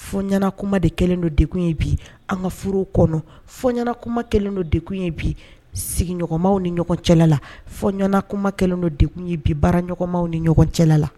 Fɔ ɲɛnaana kuma de kɛlen don dekun ye bi an ka foro kɔnɔ fɔ ɲɛnaana kuma kɛlen don degkun ye bi sigiɲɔgɔnmaw ni ɲɔgɔn cɛla la fɔ ɲɛna kuma kɛlen don de ye bi baara ɲɔgɔnmaw ni ɲɔgɔn cɛla la